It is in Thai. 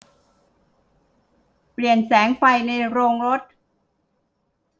เปลี่ยนแสงไฟในโรงรถ